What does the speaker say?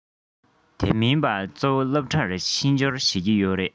དེ མིན པ གཙོ བོ སློབ གྲྭར ཕྱི འབྱོར བྱེད ཀྱི ཡོད རེད